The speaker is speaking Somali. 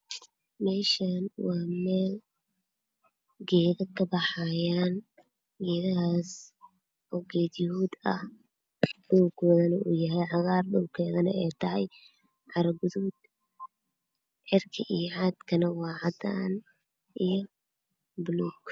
Meeshaan meel geedo ka baxayaan geedahaas geeddihuud ah dhulka uu yaallana ay tahay cara guduud cirka iyo caadkana waa caddaan iyo buluu